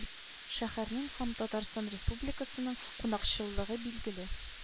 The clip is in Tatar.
Шәһәрнең һәм татарстан республикасының кунакчыллыгы билгеле